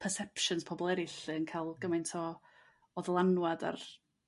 perceptions pobol eryll 'lly yn ca'l gymaint o o ddylanwad ar